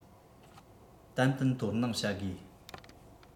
ཏན ཏན དོ སྣང བྱ དགོས